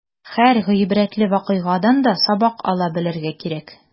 Һәр гыйбрәтле вакыйгадан да сабак ала белергә кирәк.